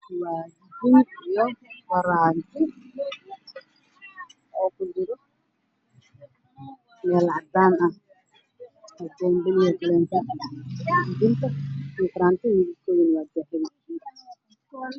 Waka tiinak iyo france ku jiro meel caddaan ah kufrantiga iyo katinaadda kalirkoodu waa dahabi